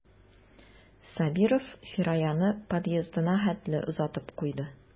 Сабиров Фираяны подъездына хәтле озатып куйды.